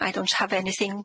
I don't have anything.